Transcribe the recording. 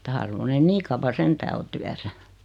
että harvoin ne niin kauan sentään on työssä